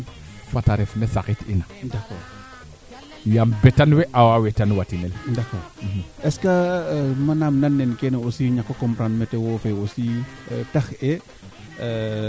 ke eet na ref jafe jafe no xoxox we ten refu yee des que roog fe simid rek fat i nade molaan we mbay ngataa premierement molaan we